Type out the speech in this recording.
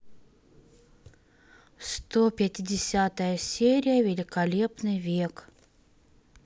сто пятидесятая серия великолепный век